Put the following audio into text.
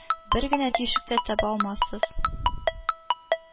Бер генә тишек тә таба алмассыз